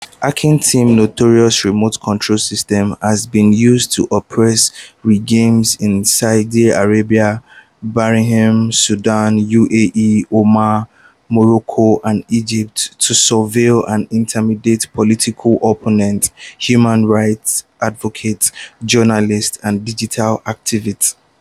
Hacking Team's notorious “Remote Control System” has been used by oppressive regimes in Saudi Arabia, Bahrain, Sudan, UAE, Oman, Morocco and Egypt to surveil and intimidate political opponents, human rights advocates, journalists, and digital activists.